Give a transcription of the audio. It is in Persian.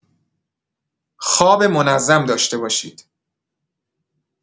خواب منظم داشته باشید.